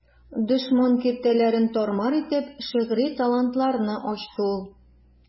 Дошман киртәләрен тар-мар итеп, шигъри талантларны ачты ул.